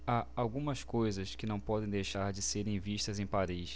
há algumas coisas que não podem deixar de serem vistas em paris